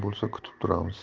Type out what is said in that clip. bo'lsa kutib turamiz